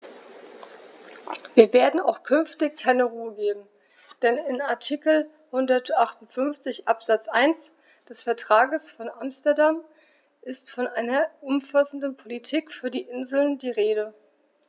Wir werden auch künftig keine Ruhe geben, denn in Artikel 158 Absatz 1 des Vertrages von Amsterdam ist von einer umfassenden Politik für die Inseln die Rede.